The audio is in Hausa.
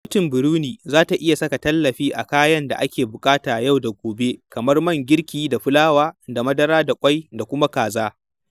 Gwamnatin Brunei za ta iya saka tallafi a kayan da ake buƙata yau da gobe kamar man girki da fulawa da madara da ƙwai da kuma kaza.